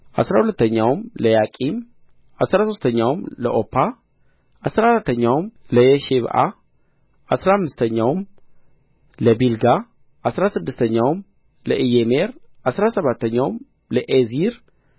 አሥራ ሁለተኛው ለያቂም አሥራ ሦስተኛው ለኦፓ አሥራ አራተኛው ለየሼብአብ አሥራ አምስተኛው ለቢልጋ አሥራ ስድስተኛው ለኢሜር አሥራ ሰባተኛው ለኤዚር